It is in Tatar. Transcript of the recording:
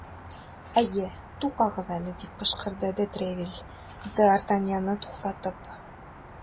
Әйе, тукагыз әле! - дип кычкырды де Тревиль, д ’ Артаньянны туктатып.